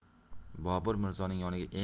bobur mirzoning yoniga